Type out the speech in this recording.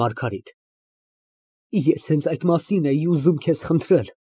ՄԱՐԳԱՐԻՏ ֊ Ես հենց այդ մասին էի ուզում քեզ խնդրել։